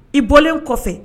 I bɔlen kɔfɛ